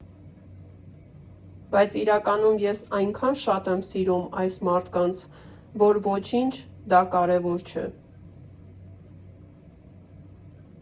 Բայց իրականում ես այնքան շատ եմ սիրում այս մարդկանց, որ ոչինչ, դա կարևոր չէ։